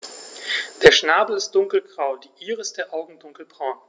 Der Schnabel ist dunkelgrau, die Iris der Augen dunkelbraun.